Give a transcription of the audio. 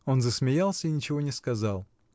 Он засмеялся и ничего не сказал.